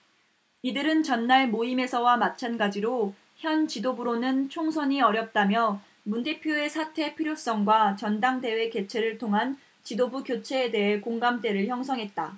이들은 전날 모임에서와 마찬가지로 현 지도부로는 총선이 어렵다며 문 대표의 사퇴 필요성과 전당대회 개최를 통한 지도부 교체에 대해 공감대를 형성했다